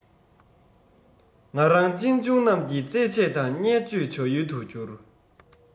ང རང གཅེན གཅུང རྣམས ཀྱི རྩེད ཆས དང བརྙས བཅོས བྱ ཡུལ དུ གྱུར